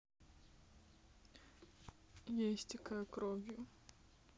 я истекаю кровью